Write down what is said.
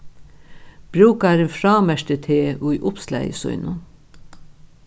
brúkarin frámerkti teg í uppslagi sínum